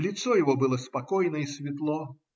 Лицо его было спокойно и светло